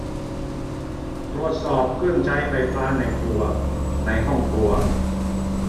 ตรวจสอบเครื่องใช้ไฟฟ้าในครัวในห้องครัว